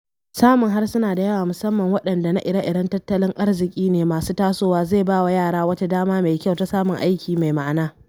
Samun harsuna da yawa, musamman waɗanda na ire-iren tattalin arziki ne masu tasowa, zai ba wa yara wata dama mai kyau ta samun aiki mai ma’ana.